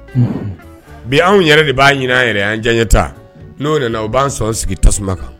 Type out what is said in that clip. Bi anw yɛrɛ de b'a ɲini an yɛrɛ an jan ta n'o u b'an sɔn sigi tasuma kan